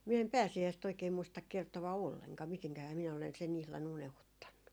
minä en pääsiäistä oikein muista kertoa ollenkaan mitenkähän minä olen sen ihan unohtanut